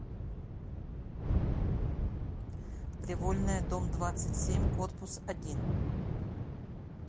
привольная дом двадцать семь корпус один